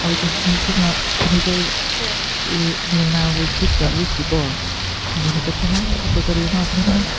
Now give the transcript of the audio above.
A wedyn o'n i'n teimlo munud oedd u- mil naw wyth pedwar wedi bod oedd o yn y gorffennol. A doedd yr un ofn ddim yna.